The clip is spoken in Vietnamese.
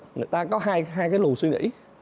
người ta có hai hai cái lường suy nghĩ